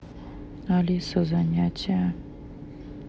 алиса занятия